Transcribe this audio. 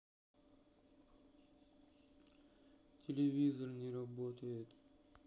телевизор не работает